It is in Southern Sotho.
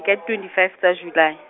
ka di twenty five tsa July.